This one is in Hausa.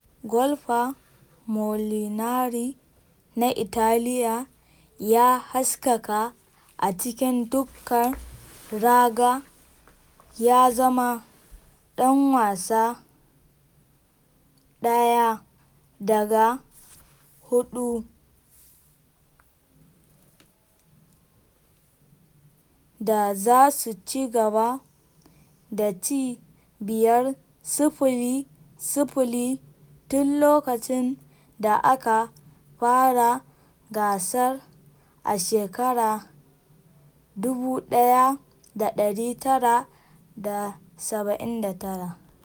Golfer Molinari na Italiya ya haskaka a cikin dukan raga, ya zama dan wasa 1-daga-4 da za su ci gaba da ci 5-0-0 tun lokacin da aka fara gasar a shekarar 1979.